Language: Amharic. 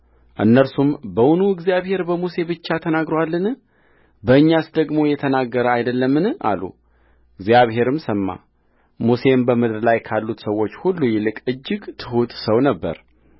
እነርሱም በውኑ እግዚአብሔር በሙሴ ብቻ ተናግሮአልን በእኛስ ደግሞ የተናገረ አይደለምን አሉ እግዚአብሔርም ሰማሙሴም በምድር ላይ ካሉት ሰዎች ሁሉ ይልቅ እጅግ ትሑት ሰው ነበረ